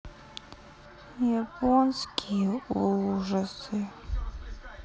японские ужасы